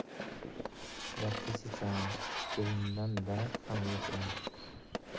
gapga chechan kelindan darak xam yo'q edi